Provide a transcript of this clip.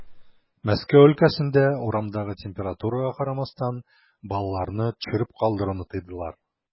Мәскәү өлкәсендә, урамдагы температурага карамастан, балаларны төшереп калдыруны тыйдылар.